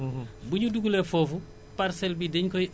ci géolocalisation ñun dañu tam koy dugal foofu